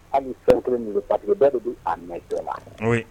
Hali fɛn kelen ninnu bɛ pa bɛɛ de don a la